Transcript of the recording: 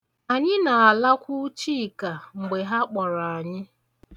Anyị na-alakwu Chika mgbe ha kpọrọ anyị.